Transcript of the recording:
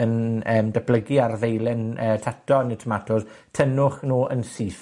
yn yym datblygu ar ddeilen yy tato ne' tomatos, tynnwch nw yn syth.